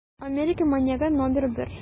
Америка маньягы № 1